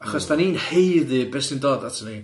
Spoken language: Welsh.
Achos dan ni'n haeddu beth sy'n dod ato ni.